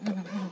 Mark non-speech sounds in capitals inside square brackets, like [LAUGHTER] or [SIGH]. [HESITATION] [HESITATION]